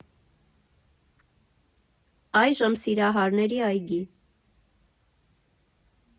Այժմ Սիրահարների այգի։